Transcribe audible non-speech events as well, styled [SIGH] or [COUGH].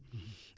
[BREATH] [HESITATION] [HESITATION]